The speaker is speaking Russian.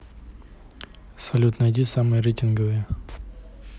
салют найди самые рейтинговые